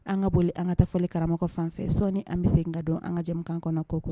An ka boli an ka taa fɔli karamɔgɔ fan fɛ sɔɔnin an bɛ segin ka don an ka jɛmukan kɔnɔ koku